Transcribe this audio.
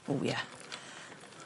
O ie.